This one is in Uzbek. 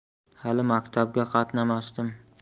hali maktabga qatnamasdim